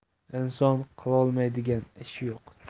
inson qilolmaydigan ish yo'q